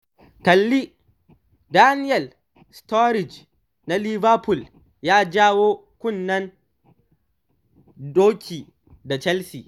Kalli: Daniel Sturridge na Liverpool ya jawo kunnen doki da Chelsea